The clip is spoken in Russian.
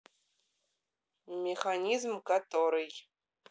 механизм который